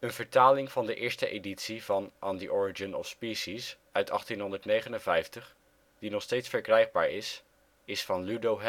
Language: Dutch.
vertaling van de eerste editie van On the Origin of Species uit 1859 die nog steeds verkrijgbaar is, is van Ludo